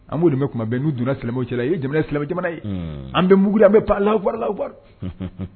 An b' de bɛ kuma bɛn n'u donna silamɛcɛ cɛlala i ye jamana silamɛ jamana ye an bɛugu an bɛ pan lafala lafa